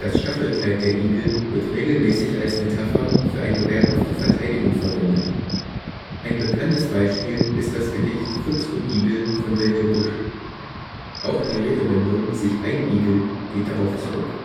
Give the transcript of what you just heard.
Stachelkleid der Igel wird regelmäßig als Metapher für eine wehrhafte Verteidigung verwendet. Ein bekanntes Beispiel ist das Gedicht Fuchs und Igel von Wilhelm Busch. Auch die Redewendung sich einigeln geht darauf zurück